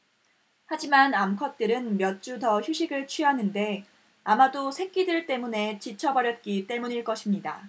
하지만 암컷들은 몇 주 더 휴식을 취하는데 아마도 새끼들 때문에 지쳐 버렸기 때문일 것입니다